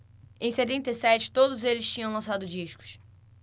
em setenta e sete todos eles tinham lançado discos